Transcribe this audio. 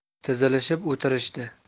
tizilishib o'tirishdi